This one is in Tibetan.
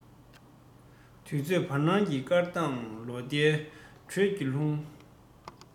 དུས ཚོད བར སྣང གི སྐར མདའ ལོ ཟླའི འགྲོས ཀྱིས ལྷུང